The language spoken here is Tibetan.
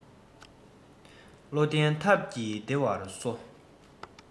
བློ ལྡན ཐབས ཀྱིས བདེ བར གསོ